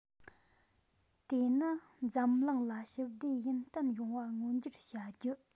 དེ ནི འཛམ གླིང ལ ཞི བདེ ཡུན བརྟན ཡོང བ མངོན འགྱུར བྱ རྒྱུ